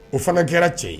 O fana kɛra cɛ ye